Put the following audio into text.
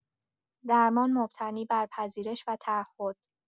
درمان مبتنی بر پذیرش و تعهد